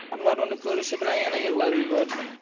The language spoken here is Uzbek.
anvar uni ko'rishi bilan yana yig'lab yubordi